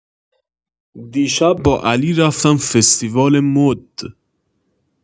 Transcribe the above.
دیشب با علی رفتم فستیوال مد